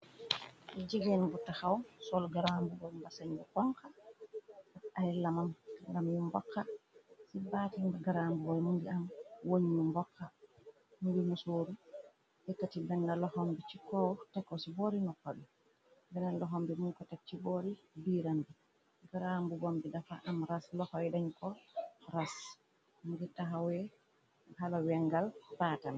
Jigeen bu taxaw sol gram bu boom ba sañ bu ponka tak ay lama ngam yu mbokxa ci baatab graanbbooy mungi am woñ ñu mboxa. Mungi mu sooru yekkat yi ben na loxam bi ci koox teko ci boori noppa bi, Benen loxam bi muko tek ci boori biiram bi. Graam bu bom bi dafa am ras loxoy dañ ko ras ngi taxawe xalawengal baatam.